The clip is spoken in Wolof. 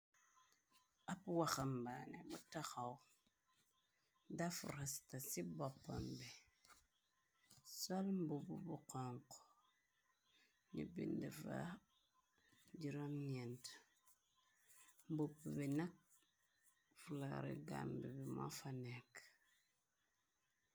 Ahb waxambaane bu taxaw, def rasta ci boppam bi, sol mbubu bu khonku nju bindue fa jurom njent, mbubu bi nakk flaaru Gambie bi mofa nekka.